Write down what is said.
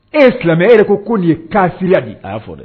E silamɛ e de ko ko de ye kariya di a y'a fɔ dɛ